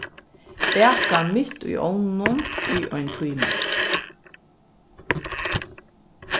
baka mitt í ovninum í ein tíma